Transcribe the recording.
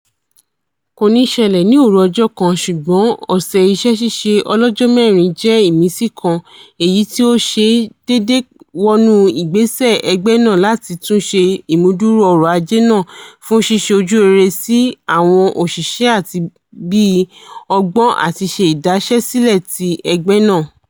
Kòní ṣẹ́lẹ̀ ni òòru ọjọ́ kan ṣùgbọ́n ọ̀sẹ̀ iṣẹ́-ṣíṣe ọlọ́jọ́-mẹ́rin jẹ ìmísí kan èyití ó ṣe déédéé wọnú ìgbéṣẹ̀ ẹgbẹ́ náà láti túnṣe ìmúdúró ọrọ̀-ajé náà fún ṣíṣe ojú rere sí àwọn òṣìṣẹ́ àti bíi ọgbọn-àtiṣe ìdáṣẹ́sílẹ̀ ti ẹgbẹ́ náà.